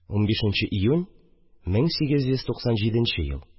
15 нче июнь, 1897 ел